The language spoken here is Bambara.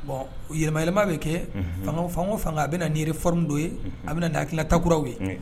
Bon o yɛlɛmayɛlɛma bɛ kɛ fanko fanga a bɛna na ninre frin don ye a bɛna na akiina takkuraw ye